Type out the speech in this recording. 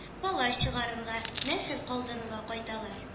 Бала чыгарырга, нәсел калдырырга кайталар.